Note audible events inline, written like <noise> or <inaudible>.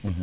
<hesitation> <hesitation>